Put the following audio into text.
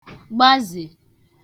gbazè